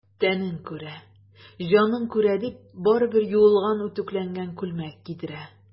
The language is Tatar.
Тәнең күрә, җаның күрә,— дип, барыбер юылган, үтүкләнгән күлмәк кидерә.